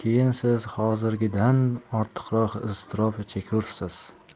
keyin siz hozirgidan ortiqroq iztirob chekursiz